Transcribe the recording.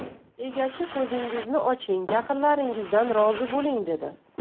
egachi ko'zingizni oching yaqinlaringizdan rozi bo'ling dedi